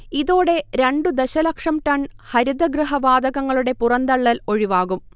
ഇതോടെ രണ്ടു ദശലക്ഷം ടൺ ഹരിതഗൃഹ വാതകങ്ങളുടെ പുറന്തള്ളൽ ഒഴിവാകും